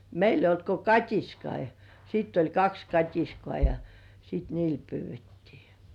meillä ei ollut kuin katiskoita ja sitten oli kaksi katiskaa ja sitten niillä pyydettiin